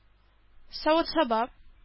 Савыт-саба